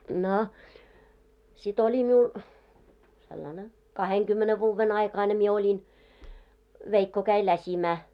no sitten oli minulla sellainen kahdenkymmenen vuoden aikainen minä olin veikko kävi läsimään